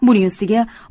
buning ustiga